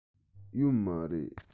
ཡོད མ རེད